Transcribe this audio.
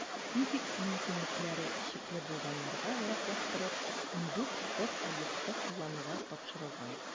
Физик мөмкинлекләре чикле булганнарга яраклаштырып, 14 спорт объекты куллануга тапшырылган.